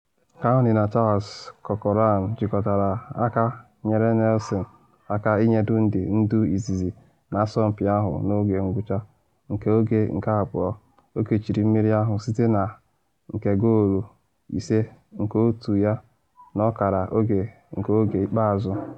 Cownie na Charles Corcoran jikọtara aka nyere Nielsen aka ịnye Dundee ndu izizi na asọmpi ahụ n’oge ngwụcha nke oge nke abụọ, o kechiri mmeri ahụ site na nke goolu ise nke otu ya n’ọkara oge nke oge ikpeazụ.